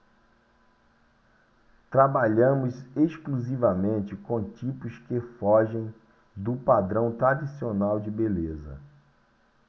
trabalhamos exclusivamente com tipos que fogem do padrão tradicional de beleza